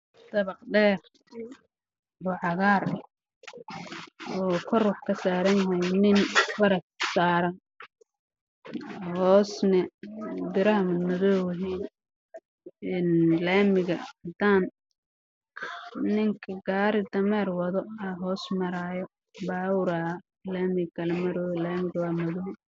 Dabaq dheer oo cagaar ah